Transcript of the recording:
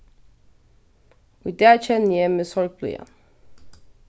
í dag kenni eg meg sorgblíðan